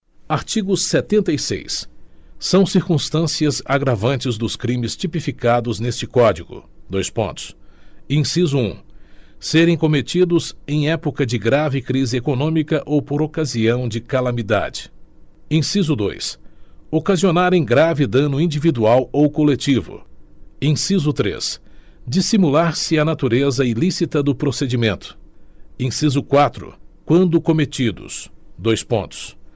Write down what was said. artigo setenta e seis são circunstâncias agravantes dos crimes tipificados neste código dois pontos inciso um serem cometidos em época de grave crise econômica ou por ocasião de calamidade inciso dois ocasionarem grave dano individual ou coletivo inciso três dissimularse a natureza ilícita do procedimento inciso quatro quando cometidos dois pontos